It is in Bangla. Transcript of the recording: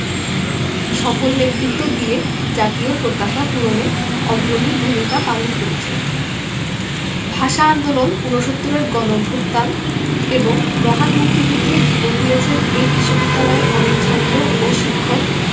সফল নেতৃত্ব দিয়ে জাতীয় প্রত্যাশা পূরণে অগ্রণী ভূমিকা পালন করেছে ভাষা আন্দোলন উনসত্তুরের গণঅভ্যুত্থান এবং মহান মুক্তিযুদ্ধে জীবন দিয়েছেন এ বিশ্ববিদ্যালয়ের অনেক ছাত্র ওশিক্ষক